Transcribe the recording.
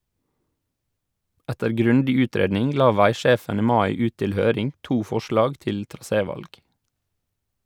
Etter grundig utredning la veisjefen i mai ut til høring to forslag til trasévalg.